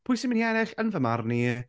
Pwy sy'n mynd i ennill yn fy marn i?